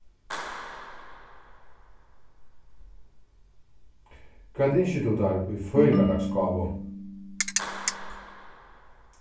hvat ynskir tú tær í føðingardagsgávu